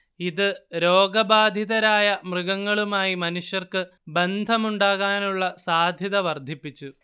ഇത് രോഗബാധിതരായ മൃഗങ്ങളുമായി മനുഷ്യർക്ക് ബന്ധമുണ്ടാകാനുള്ള സാധ്യത വർദ്ധിപ്പിച്ചു